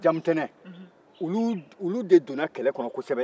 jamutɛnɛn o de donna kɛlɛ kɔnɔ kɔsɛbɛ